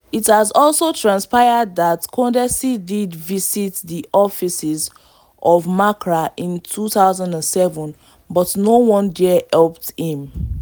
It has also transpired that Kondesi did visit the offices of MACRA in 2007, but no one there helped him.